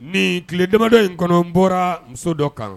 Nin tile damabadɔ in kɔnɔ bɔra muso dɔ kan